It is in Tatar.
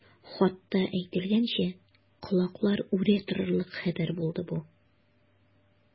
Хатта әйтелгәнчә, колаклар үрә торырлык хәбәр булды бу.